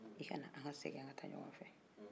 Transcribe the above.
i ka n'an ka segin an ka taa ɲɔgɔn fɛ